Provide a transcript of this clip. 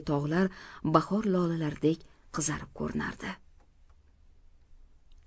tog'lar bahor lolalaridek qizarib ko'rinardi